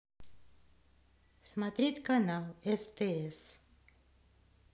смотреть канал стс